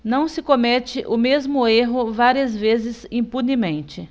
não se comete o mesmo erro várias vezes impunemente